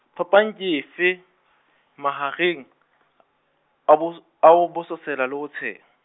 phapang ke efe, mahareng , a bos-, a ho bososela le ho tsheha?